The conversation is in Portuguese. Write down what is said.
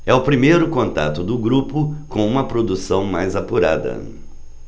é o primeiro contato do grupo com uma produção mais apurada